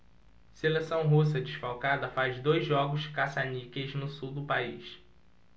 seleção russa desfalcada faz dois jogos caça-níqueis no sul do país